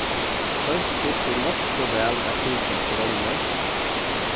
fólk dugdu nokk so væl at fylgja skránni